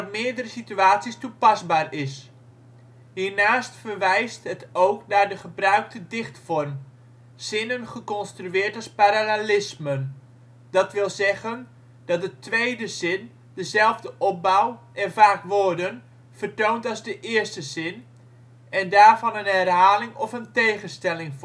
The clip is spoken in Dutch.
meerdere situaties toepasbaar is. Hiernaast verwijst het ook naar de gebruikte dichtvorm: zinnen geconstrueerd als parallellismen, dat wil zeggen dat de tweede zin dezelfde opbouw, en vaak woorden, vertoont als de eerste zin, en daarvan een herhaling of een tegenstelling vormt